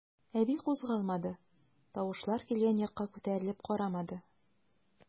Әби кузгалмады, тавышлар килгән якка күтәрелеп карамады.